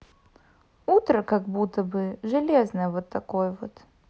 утра как будто бы железная вот такой вот